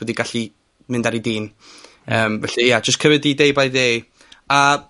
wedi gallu mynd ar 'i dîn, yym, felly ia jyst cymryd 'i day by day. A